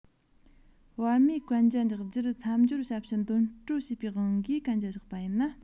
བར མིས གན རྒྱ འཇོག རྒྱུར མཚམས སྦྱོར ཞབས ཞུ འདོན སྤྲོད བྱེད པའི དབང གིས གན རྒྱ བཞག པ ཡིན ན